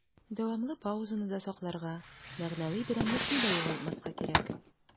Дәвамлы паузаны да сакларга, мәгънәви берәмлекне дә югалтмаска кирәк.